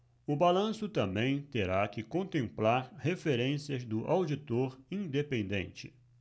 o balanço também terá que contemplar referências do auditor independente